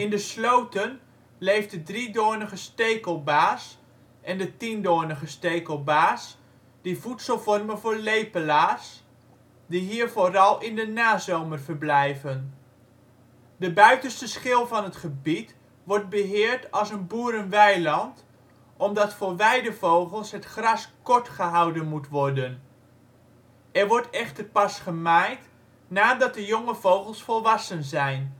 de sloten leeft de driedoornige stekelbaars en de tiendoornige stekelbaars, die voedsel vormen voor lepelaars, die hier vooral in de nazomer verblijven. De buitenste schil van het gebied wordt beheerd als een boerenweiland, omdat voor weidevogels het gras kort gehouden moet worden. Er wordt echter pas gemaaid nadat de jonge vogels volwassen zijn